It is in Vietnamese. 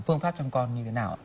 phương pháp chăm con như thế nào ạ